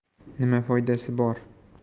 nima foydasi bor